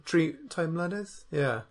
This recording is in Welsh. tri, tair mlynedd. Ie.